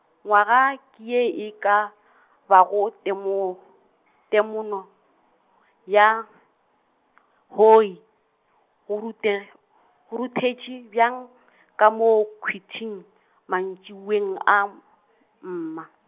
Nywaga ke ye e ka , bago Temo , Temo no, ya hoi-, go ruthe- , go ruthetše bjang , ka mo khwitšhing mantšiboeng a m- , mma.